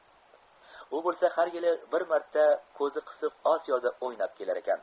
u bo'lsa har yili bir marta ko'zi qisiq osiyoda o'ynab kelarkan